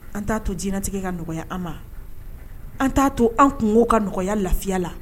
An ta to jinɛlatigɛ ka nɔgɔya an ma, an ta to an kungo ka nɔgɔya lafiya la?